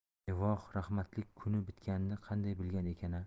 e voh rahmatlik kuni bitganini qanday bilgan ekan a